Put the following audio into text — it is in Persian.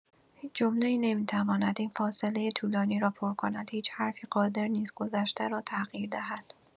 هیچ جمله‌ای نمی‌تواند این فاصلۀ طولانی را پر کند، هیچ حرفی قادر نیست گذشته را تغییر دهد.